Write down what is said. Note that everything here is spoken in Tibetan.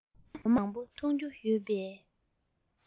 འོ མ མང པོ བཏུང རྒྱུ ཡོད པའི